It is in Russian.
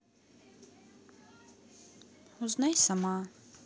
узнай сама